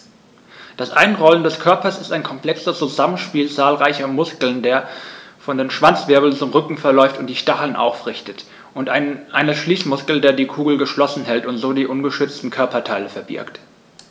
Das Einrollen des Körpers ist ein komplexes Zusammenspiel zahlreicher Muskeln, der von den Schwanzwirbeln zum Rücken verläuft und die Stacheln aufrichtet, und eines Schließmuskels, der die Kugel geschlossen hält und so die ungeschützten Körperteile verbirgt.